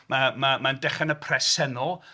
Ma- ma- mae'n dechrau'n y presenol...